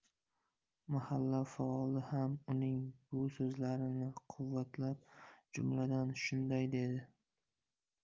mahalla faoli ham uning bu so'zlarini quvvvatlab jumladan shunday dedi